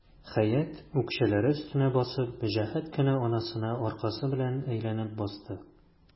Хәят, үкчәләре өстенә басып, җәһәт кенә анасына аркасы белән әйләнеп басты.